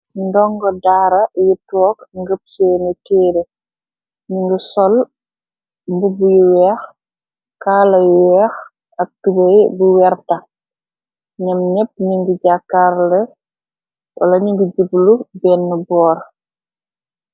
Ndongo daara yi took ngëb seeni téere ni ngu sol mbubbuyu weex kaala yu weex ak tubey bu werte ném népp ni ngi jakkarle wala ningi jublu benn boor.